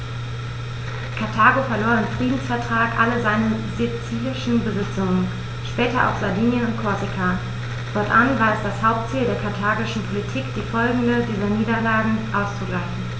Karthago verlor im Friedensvertrag alle seine sizilischen Besitzungen (später auch Sardinien und Korsika); fortan war es das Hauptziel der karthagischen Politik, die Folgen dieser Niederlage auszugleichen.